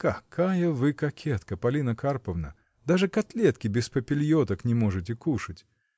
— Какая вы кокетка, Полина Карповна: даже котлетки без папильоток не можете кушать!